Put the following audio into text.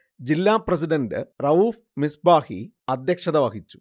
ജില്ല പ്രസിഡൻറ് റഊഫ് മിസ്ബാഹി അധ്യക്ഷത വഹിച്ചു